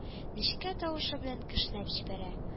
Нечкә тавышы белән кешнәп җибәрә